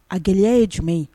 A gɛlɛya ye jumɛn ye